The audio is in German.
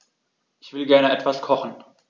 Ich will gerne etwas kochen.